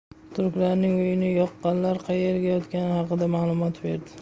turklarning uyini yoqqanlar qaerda yotganligi haqida ma'lumot berdi